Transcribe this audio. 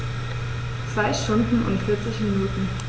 2 Stunden und 40 Minuten